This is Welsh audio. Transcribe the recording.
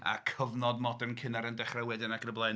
A cyfnod modern cynnar yn dechrau wedyn, ac yn y blaen.